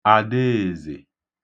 Àdeèzè